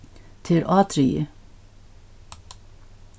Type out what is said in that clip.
tað er ádrigið